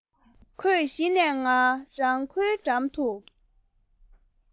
ཁོས གཞི ནས ང རང ཁོའི འགྲམ དུ